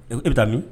E bɛ taa min